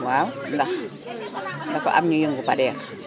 waaw ndax dafa am ñuy yëngu Pader